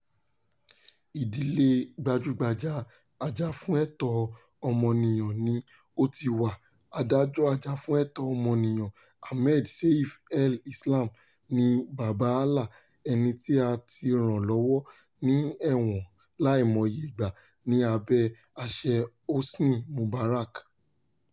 Ìdílé gbajúgbajà ajàfúnẹ̀tọ́ ọmọnìyàn ni ó ti wà, adájọ́ ajàfúnẹ̀tọ́ ọmọnìyàn Ahmed Seif El Islam, ni bàbáa Alaa, ẹni tí a ti rán lọ ní ẹ̀wọ̀n láì mọye ìgbà ní abẹ́ àṣẹ Hosni Mubarak.